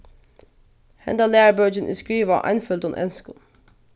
henda lærubókin er skrivað á einføldum enskum